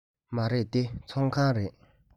མ རེད འདི ཚོང ཁང རེད